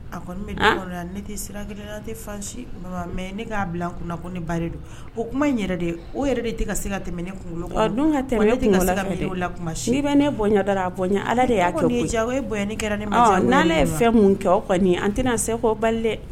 A ko ne tɛ sira tɛ fa mɛ ne k'a bila kunna ko ne ba don o kuma n yɛrɛ de o yɛrɛ de tɛ ka se ka tɛmɛ ne kunkolo don tɛmɛ la kuma bɛ ne bɔ da ala de y'a ja ne kɛra ne ma n'ale ye fɛn mun kɛ o kɔni nin an tɛna seko bali dɛ